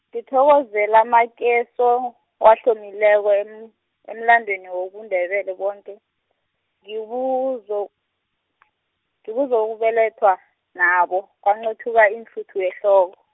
ngithokozelamakeso, wahlomileko em- emlandweni wobuNdebele boke, ngibuzo, ngibuzo ukubelethwa, nabo kwanqothuka iinhluthu ehloko.